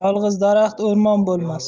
yolg'iz daraxt o'rmon bo'lmas